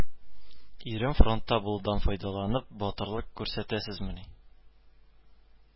Ирем фронтта булудан файдаланып батырлык күрсәтәсезмени